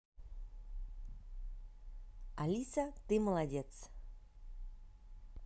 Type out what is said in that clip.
алиса ты молодец